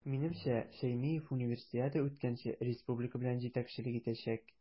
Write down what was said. Минемчә, Шәймиев Универсиада үткәнче республика белән җитәкчелек итәчәк.